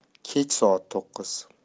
kech soat to'qqiz